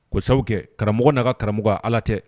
Kosa kɛ karamɔgɔ na karamɔgɔ ala tɛ